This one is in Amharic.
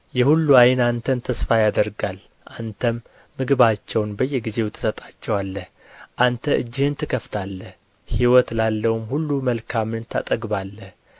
የሁሉ ዓይን አንተን ተስፋ ያደርጋል አንተም ምግባቸውን በየጊዜው ትሰጣቸዋለህ አንተ እጅህን ትከፍታለህ ሕይወት ላለውም ሁሉ መልካምን ታጠግባለህ